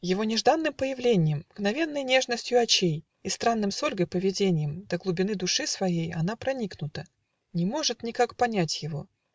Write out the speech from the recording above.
Его нежданным появленьем, Мгновенной нежностью очей И странным с Ольгой поведеньем До глубины души своей Она проникнута не может Никак понять его